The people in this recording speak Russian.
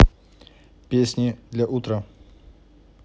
песни для утра